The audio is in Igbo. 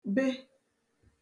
be